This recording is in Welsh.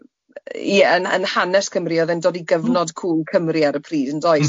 Ie yn yn hanes Cymru oedd e'n dod i gyfnod cŵl Cymru ar y pryd yndoes?